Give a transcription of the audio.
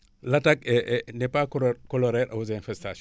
l' attaque est est n' est pas coloré aux infestation